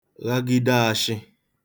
ghagide āshị̄